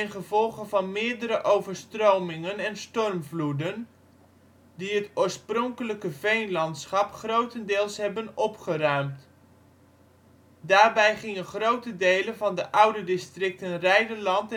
gevolge van meerdere overstromingen en stormvloeden, die het oorspronkelijke veenlandschap grotendeels hebben opgeruimd. Daarbij gingen grote delen van de oude districten Reiderland